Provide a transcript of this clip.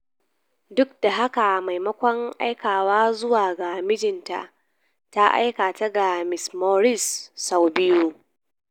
Duk da haka, maimakon aikawa zuwa ga mijinta, ta aika ta ga Ms. Maurice, sau biyu.